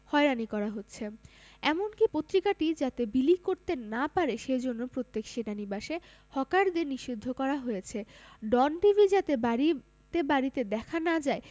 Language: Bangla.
হয়রানি করা হচ্ছে এমনকি পত্রিকাটি যাতে বিলি করতে না পারে সেজন্যে প্রত্যেক সেনানিবাসে হকারদের নিষিদ্ধ করা হয়েছে ডন টিভি যাতে বাড়িতে বাড়িতে দেখা না যায়